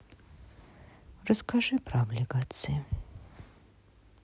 расскажи про облигации